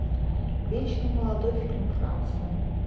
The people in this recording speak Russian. вечно молодой фильм франция